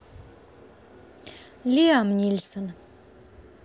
лиам нильсон